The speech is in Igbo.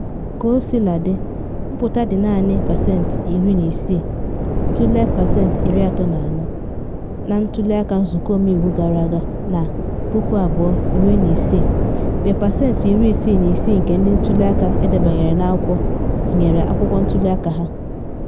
Kaosiladị, mpụta dị naanị na pasentị 16, tụlee pasentị 34 na ntuli aka nzụkọ ọmeiwu gara aga na 2016 mgbe pasentị 66 nke ndị ntuli aka edebanyere n’akwụkwọ tinyere akwụkwọ ntuli aka ha.